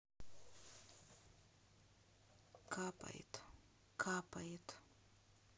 капает капает